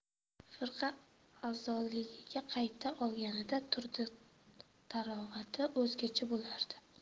firqa a'zoligiga qayta olganida turqi tarovati o'zgacha bo'lardi